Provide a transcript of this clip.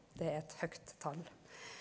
det er eit høgt tal.